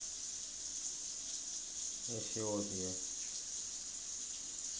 эфиопия